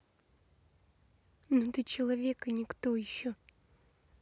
ну ты человек и никто еще